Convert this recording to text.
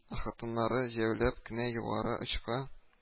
Ә хатыннары җәяүләп кенә югары очка